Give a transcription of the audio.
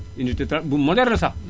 unité ta bu moderne sax